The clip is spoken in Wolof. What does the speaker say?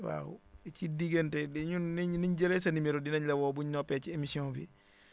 waaw ci diggante ñun ni ñu ni ñu jëlee sa numéro dinañ la woo buñ noppee ci émission bi